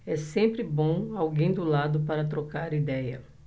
é sempre bom alguém do lado para trocar idéia